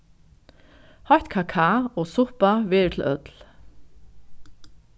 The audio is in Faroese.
heitt kakao og suppa verður til øll